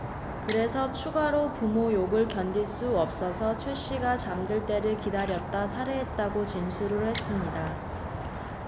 그래서 추가로 부모 욕을 견딜 수 없어서 최 씨가 잠들 때를 기다렸다 살해했다고 진술을 했습니다